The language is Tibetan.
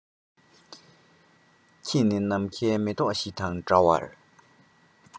ཁྱེད ནི ནམ མཁའི མེ ཏོག ཞིག དང འདྲ བར